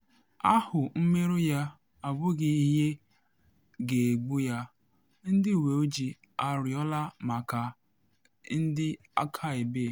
Ahụ mmerụ ya abụghị ihe ga-egbu ya, ndị uwe ojii arịọla maka ndị akaebe.